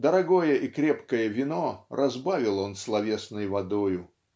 дорогое и крепкое вино разбавил он словесной водою.